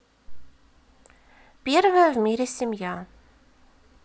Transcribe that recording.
первая в мире семья